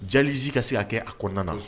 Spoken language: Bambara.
Jelizi ka se ka kɛ a kɔnɔna na